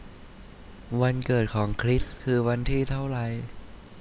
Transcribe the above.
วันเกิดของคริสคือวันที่เท่าไร